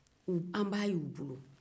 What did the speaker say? u an bɛ a ye u bolo